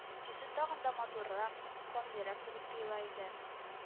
Йөзе тагын да матуррак, камилрәк булып тоела иде